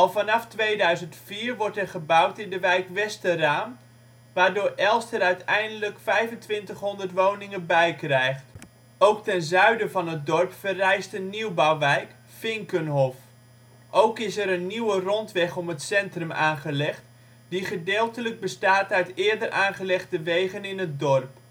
vanaf 2004 wordt er gebouwd aan de wijk Westeraam, waardoor Elst er uiteindelijk 2500 woningen bij krijgt. Ook ten zuiden van het dorp verrijst een nieuwbouwwijk, Vinkenhof. Ook is er een nieuwe rondweg om het centrum aangelegd, die gedeeltelijk bestaat uit eerder aangelegde wegen in het dorp